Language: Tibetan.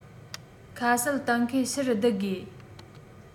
ཁ གསལ གཏན འཁེལ ཕྱིར བསྡུ དགོས